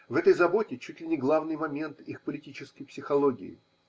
В этой заботе чуть ли не главный момент их политической психологии.